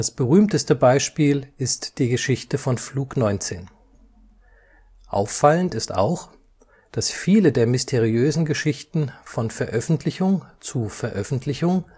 berühmteste Beispiel ist die Geschichte von Flug 19. Auffallend ist auch, dass viele der mysteriösen Geschichten von Veröffentlichung zu Veröffentlichung